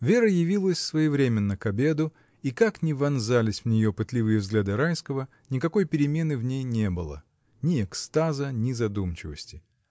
Вера явилась своевременно к обеду, и, как ни вонзались в нее пытливые взгляды Райского, — никакой перемены в ней не было. Ни экстаза, ни задумчивости.